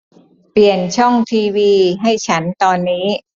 เปลี่ยนช่องทีวีให้ฉันตอนนี้